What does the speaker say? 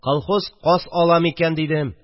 Колхоз каз аламы икән, дидем